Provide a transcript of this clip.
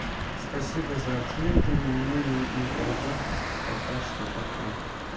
спасибо за ответы мне никогда пока что пока